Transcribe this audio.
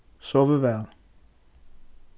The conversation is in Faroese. sovið væl